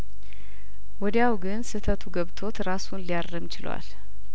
ወዲያው ግን ስተቱ ገብቶት ራሱን ሊያርምችሏል